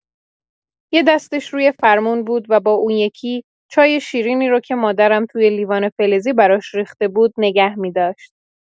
یه دستش روی فرمون بود و با اون یکی، چای شیرینی رو که مادرم توی لیوان فلزی براش ریخته بود، نگه می‌داشت.